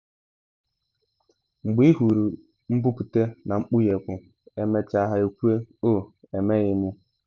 “Mgbe ị hụrụ mbupute na mkpughepu emechaa ha ekwuo “oh, emeghị m ya.